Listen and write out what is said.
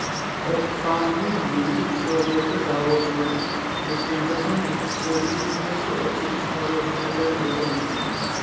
oxfam'ning yillik hisoboti davosdagi butujahon iqtisodiy kengashi ochilish marosimida e'lon qilindi